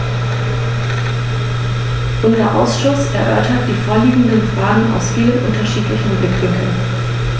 Unser Ausschuss erörtert die vorliegenden Fragen aus vielen unterschiedlichen Blickwinkeln.